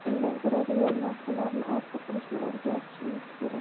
undan ko'ra real narsalarni orzu qilishni o'rgatishimiz kerak